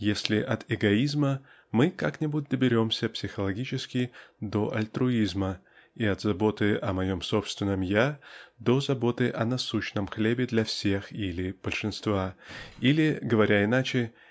если от эгоизма мы как-нибудь доберемся психологически до альтруизма и от заботы о моем собственном "я" -- до заботы о насущном хлебе для всех или большинства -- или говоря иначе